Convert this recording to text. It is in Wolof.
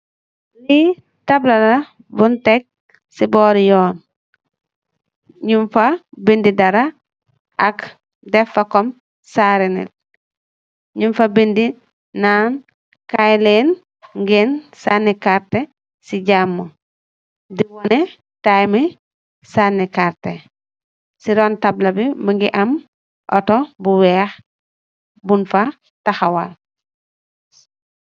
Lii tabla la, buñg tek si boori yoon. Ñung fa bindë dara ak def fa saaru nit. Ñung fa bindë naan," kaay leen sanni karta si jaamu", di wane tayimi saani karta. Si ron tabla bi ñung fa taxawal Otto bu weex.